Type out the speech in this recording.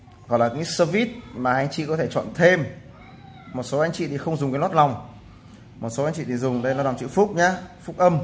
yêu cầu mà anh chị có thể chọn thêm một số anh chị thì không dùng cái lót lòng một số anh chị thì dùng đây la chữ phúc phúc âm